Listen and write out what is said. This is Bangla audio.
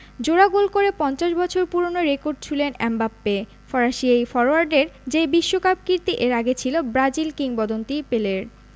জোড়া গোল করে ৫০ বছর পুরোনো রেকর্ড ছুঁলেন এমবাপ্পে ফরাসি এই ফরোয়ার্ডের যে বিশ্বকাপ কীর্তি এর আগে ছিল ব্রাজিল কিংবদন্তি পেলের